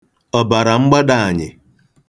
ọ̀bàràmgbadàànyị̀